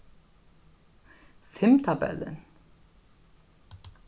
fimmtabellin